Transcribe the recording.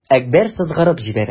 Әкбәр сызгырып җибәрә.